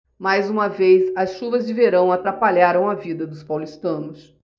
mais uma vez as chuvas de verão atrapalharam a vida dos paulistanos